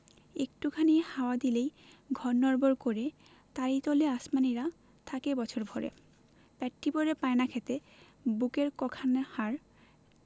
একটু খানি হাওয়া দিলেই ঘর নড়বড় করে তারি তলে আসমানীরা থাকে বছর ভরে পেটটি ভরে পায় না খেতে বুকের ক খান হাড়